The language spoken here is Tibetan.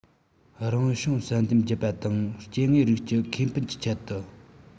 རང བྱུང བསལ འདེམས བརྒྱུད པ དང སྐྱེ དངོས རིགས ཀྱི ཁེ ཕན གྱི ཆེད དུ